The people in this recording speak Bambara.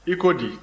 i ko di